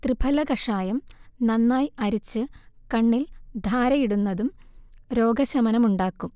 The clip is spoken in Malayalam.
തൃഫല കഷായം നന്നായി അരിച്ച് കണ്ണിൽ ധാരയിടുന്നതും രോഗശമനമുണ്ടാക്കും